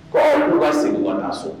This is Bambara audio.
K'olu ka segin ka taa so